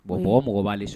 Bon mɔgɔ mɔgɔ b'aale so